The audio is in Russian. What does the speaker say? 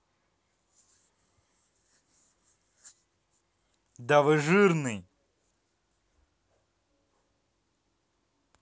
да вы жирные